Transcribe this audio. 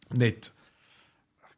Nid